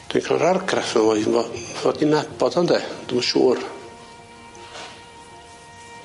Dwi'n ca'l yr argraff iddo fo i fo- fod i nabod o ynde? Dwi'm yn siŵr.